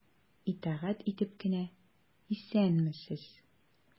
Итагать итеп кенә:— Исәнмесез!